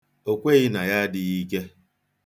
O kweghị na ya adịghike.